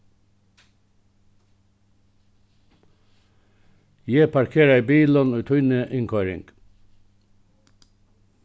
eg parkeraði bilin í tíni innkoyring